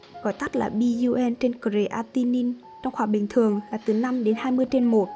gọi tắt là bun creatinine trong khoảng bình thường là từ